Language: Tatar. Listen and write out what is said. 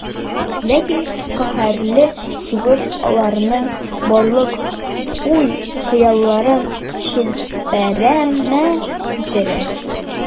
Ләкин каһәрле сугыш аларның барлык уй-хыялларын челпәрәмә китерә.